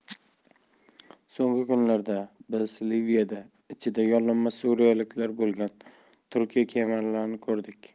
bu prezident erdo'g'on tomonidan belindagi anjuman vaqtida bergan va'dasi tamomila teskari harakatdir deydi makron